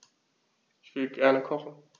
Ich will gerne kochen.